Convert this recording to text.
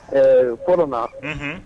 Ɛɛ ko na